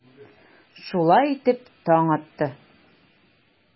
Шулай итеп, таң атты.